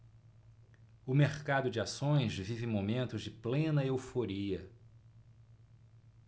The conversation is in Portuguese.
o mercado de ações vive momentos de plena euforia